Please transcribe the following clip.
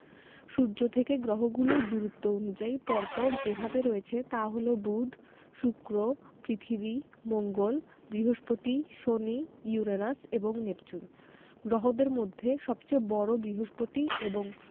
সূর্য থেকে গ্রহগুলো দূরত্ব অনুযায়ী পর পর যেভাবে রয়েছে তা হলো বুধ শুক্র পৃথিবী মঙ্গল বৃহস্পতি শনি ইউরেনাস এবং নেপচুন গ্রহদের মধ্যে সবচেয়ে বড় বৃহস্পতি এবং